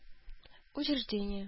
Учреждение